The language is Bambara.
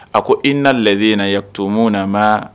A ko